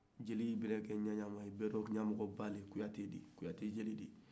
jiliw mana kɛ cogo o cogo u bɛ ka ɲamɔgɔ de ye kuyate ye